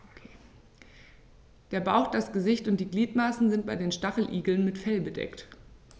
Der Bauch, das Gesicht und die Gliedmaßen sind bei den Stacheligeln mit Fell bedeckt.